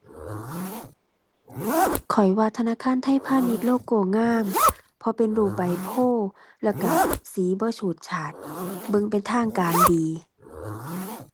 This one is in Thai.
ข้อยว่าธนาคารไทยพาณิชย์โลโกงาม เพราะเป็นรูปใบโพธิ์ แล้วก็สีบ่ฉูดฉาด เบิ่งเป็นทางการดี